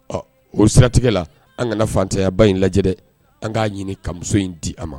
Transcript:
Ɔ o siratigɛ la an kana fantanyaba in lajɛ dɛ an k'a ɲini ka muso in di a ma